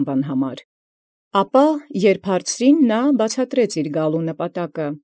Ապա հարցեալ ի նոցանէ, առաջի եդեալ վասն որոյ եկեալն էր։